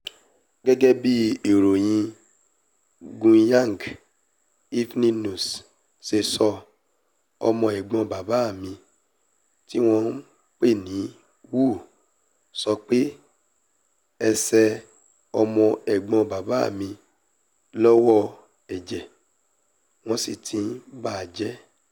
Gẹ́gẹ́ bí ìwé ìròyìn Guiyang Evening News ṣe sọ, ọmọ ẹ̀gbọ́n bàbá mi tí wọ́n ń pè ní "Wu" sọ pé: "Ẹsẹ̀ ọmọ ẹ̀gbọ́n bàbá mi lọ́wọ́ ẹ̀jẹ̀, wọ́n sì ti bà jẹ́.